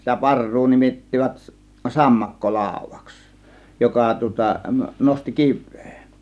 sitä parrua nimittivät - sammakkolaudaksi joka tuota nosti kiveä